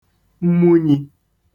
mmunyī